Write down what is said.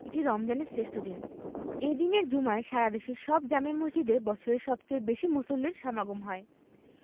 এটি রমজানের শ্রেষ্ঠ দিন এ দিনের জুমায় সারা দেশের সব জামে মসজিদে বছরের সবচেয়ে বেশি মুসল্লির সমাগম হয়